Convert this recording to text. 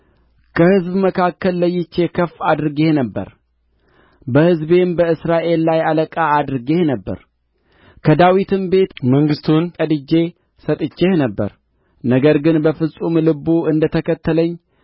ከሕዝብ መካከል ለይቼ ከፍ አድርጌህ ነበር በሕዝቤም በእስራኤል ላይ አለቃ አድርጌህ ነበር ከዳዊትም ቤት መንግሥቱን ቀድጄ ሰጥቼህ ነበር ነገር ግን በፍጹም ልቡ እንደ ተከተለኝ